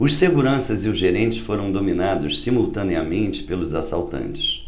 os seguranças e o gerente foram dominados simultaneamente pelos assaltantes